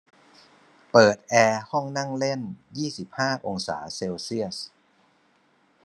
เปิดแอร์ห้องนั่งเล่นยี่สิบห้าองศาเซลเซียส